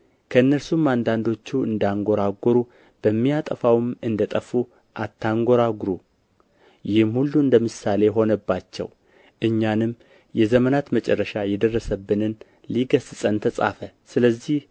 ከእነርሱም አንዳንዶቹ እንዳንጎራጎሩ በሚያጠፋውም እንደ ጠፉ አታንጐርጕሩ ይህም ሁሉ እንደ ምሳሌ ሆነባቸው እኛንም የዘመናት መጨረሻ የደረሰብንን ሊገሥጸን ተጻፈ ስለዚህ